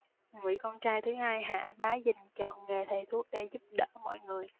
người con trai thứ hai hạ bá dình chọn nghề thầy thuốc để giúp đỡ mọi người